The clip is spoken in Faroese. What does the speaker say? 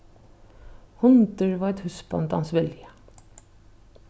hundur veit húsbóndans vilja